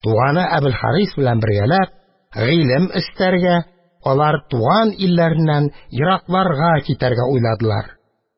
Туганы Әбелхарис белән бергәләп, гыйлем эстәргә, алар туган илләреннән еракларга китәргә уйладылар.